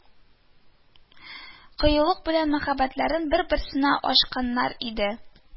Кыюлык белән мәхәббәтләрен бер-берсенә ачканнар иде